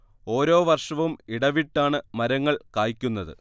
ഓരോ വർഷവും ഇടവിട്ടാണ് മരങ്ങൾ കായ്ക്കുന്നത്